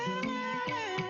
Sanunɛgɛnin